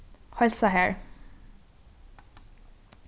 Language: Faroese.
heilsa har